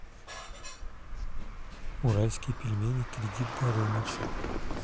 уральские пельмени кредит горыныч